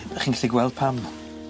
'Dych chi'n gallu gweld pam.